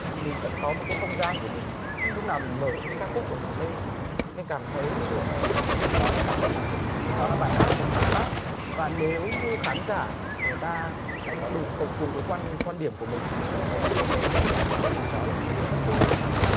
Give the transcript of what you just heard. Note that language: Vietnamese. thì mình vẫn có một cái không gian của mình lúc nào mình mở cái ca khúc của mình lên mình cảm thấy hưởng thụ bởi vì đó là sản phẩm của mình đó là bài hát mình sáng tác và nếu như khán giả người ta lại có đúng cùng cái quan quan điểm của mình tức là người ta yêu mến cái âm nhạc của mình thì đó là một điều rất vui